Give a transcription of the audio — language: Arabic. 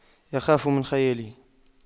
يخاف من خياله